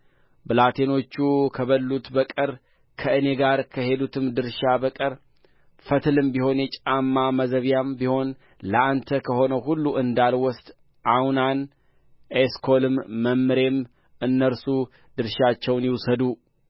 ብላቴኖቹ ከበሉት በቀር ከእኔ ጋር ከሄዱትም ድርሻ በቀር ፈትልም ቢሆን የጫማ ማዘቢያም ቢሆን ለአንተ ከሆነው ሁሉ እንዳልወስድ አውናን ኤስኮልም መምሬም እነርሱ ድርሻቸውን ይውሰዱ